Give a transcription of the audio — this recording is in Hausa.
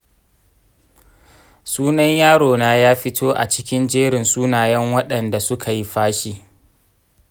sunan yarona ya fito a cikin jerin sunayen waɗanda suka yi fashi.